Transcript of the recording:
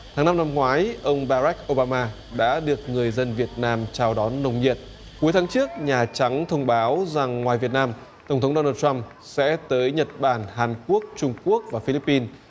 tháng năm năm ngoái ông ba rách ô ba ma đã được người dân việt nam chào đón nồng nhiệt cuối tháng trước nhà trắng thông báo rằng ngoài việt nam tổng thống đô nan troăm sẽ tới nhật bản hàn quốc trung quốc và phi líp pin